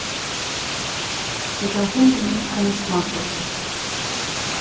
eg gav hundinum eina smákøku